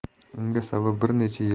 unga sabab bir necha